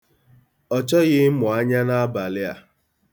Ọ chọghị ịmụ anya n'abalị a.